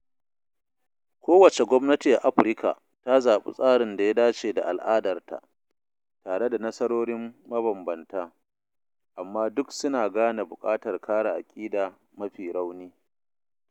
Kowace gwamnati a Afirka ta zaɓi tsarin da ya dace da al'adarta, tare da nasarorin mabambanta, amma duk suna gane buƙatar kare aƙida mafi rauni.